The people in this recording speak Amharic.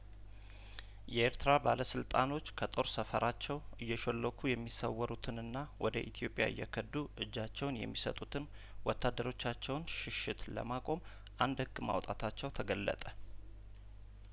የኤርትራ ባለስልጣኖች ከጦር ሰፈራቸው እየሾለኩ የሚሰወሩ ትንና ወደ ኢትዮጵያ እየከዱ እጃቸውን የሚሰጡትን ወታደሮቻቸውን ሽሽት ለማቆም አንድ ህግ ማውጣታቸው ተገለጠ